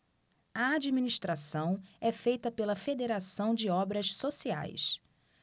a administração é feita pela fos federação de obras sociais